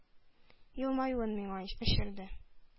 Елмаюын миңа эчерде.